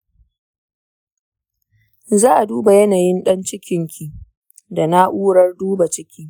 za'a duba yanayin dan cikin ki da na'urar duba ciki.